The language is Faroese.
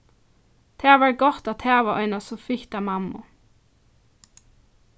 tað var gott at hava eina so fitta mammu